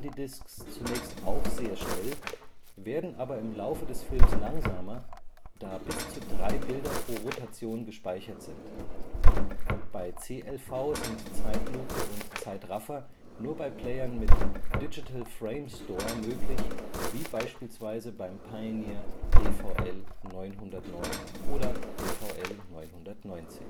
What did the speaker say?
Disks zunächst auch sehr schnell, werden aber im Laufe des Films langsamer, da bis zu 3 Bilder pro Rotation gespeichert sind. Bei CLV sind Zeitlupe und Zeitraffer nur bei Playern mit " digital frame store " (wie beispielsweise beim Pioneer DVL-909 oder -919